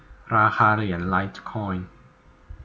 ราคาเหรียญไลท์คอยน์